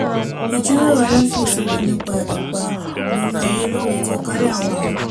"Ìjíròrò aláfiyèsí wà nípa ipa ìgbòná ayé lórí ìtànkálẹ̀ àwọn àrùn.